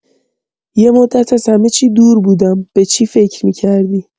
یه مدت از همه چی دور بودم، به چی فکر می‌کردی؟